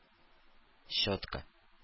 Щетка